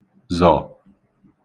zọ̀